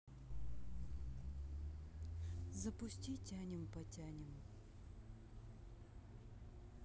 запусти тянем потянем